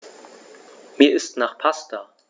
Mir ist nach Pasta.